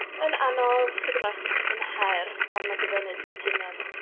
yn anodd, chydig bach yn her. Ond mae'n dibynnu sut ti'n, yym...